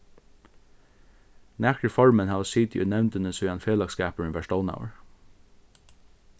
nakrir formenn hava sitið í nevndini síðan felagsskapurin varð stovnaður